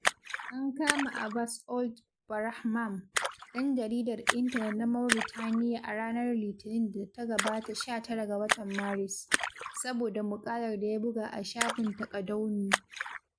An kama Abbass Ould Brahmam, ɗan jaridar intanet na Mauritania a ranar Litinin da ta gabata 16 ga watan Maris, saboda muƙalar da ya buga a shafin Taqadoumy.